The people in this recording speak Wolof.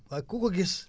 ak ku ko gis